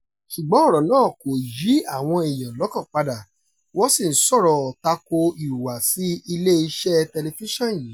Ṣùgbọ́n ọ̀rọ̀ náà kò yí àwọn èèyàn lọ́kàn padà, wọ́n sì ń sọ̀rọ̀ tako ìhùwàsí iléeṣẹ́ tẹlifíṣàn yìí.